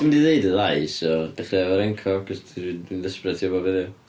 Ti'n mynd i ddeud y ddau, so dechreua hefo ren co. Achos dw- dwi'n desperate i wybod be 'di o.